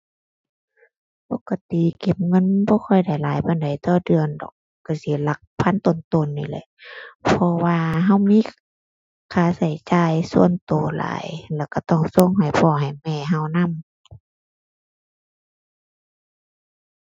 ปกติเก็บเงินบ่ค่อยได้หลายปานใดต่อเดือนดอก ก็สิหลักพันต้นต้นนี่แหละ เพราะว่าก็มีค่าก็จ่ายส่วนก็หลาย แล้วก็ต้องส่งให้พ่อให้แม่ก็นำ